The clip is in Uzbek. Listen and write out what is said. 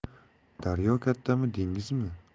daryo kattami dengizmi